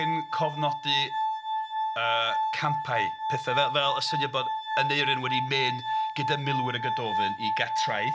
Yn cofnodi yy campau, petha fe- fel, y syniad bod Aneurin wedi mynd gyda milwyr Y Gododdin i Gartraeth.